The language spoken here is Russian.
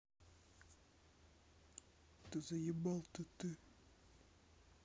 ты заебал ты ты